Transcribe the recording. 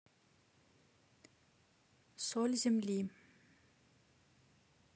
соль земли